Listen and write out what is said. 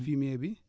fumier bi